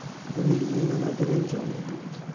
uning iymanadigan joyi yo'q